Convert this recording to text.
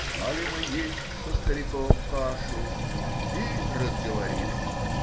Стали мы есть со стариком кашу и разговорились.